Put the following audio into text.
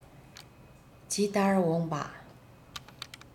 ཇི ལྟར འོངས པ